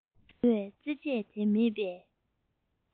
ཟེར བའི རྩེད ཆས དེ མེད པས